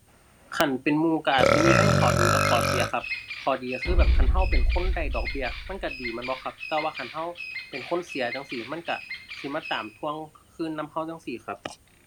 คันเป็นหมู่ก็อาจสิมีทั้งข้อดีกับข้อเสียครับ ข้อดีก็คือแบบคันก็เป็นคนได้ดอกเบี้ย มันก็ดีแม่นบ่ครับ แต่ว่าคันก็เป็นคนเสียจั่งซี้ มันก็สิมาตามทวงคืนนำก็จั่งซี้ครับ